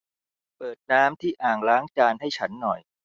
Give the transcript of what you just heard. เปิดน้ำที่อ่างล้างจานให้ฉันหน่อย